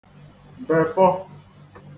-bèfọ